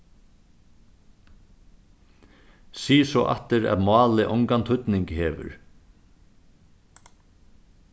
sig so aftur at málið ongan týdning hevur